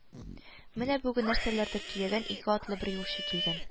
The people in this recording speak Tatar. Менә бүген нәрсәләрдер төягән ике атлы бер юлчы килгән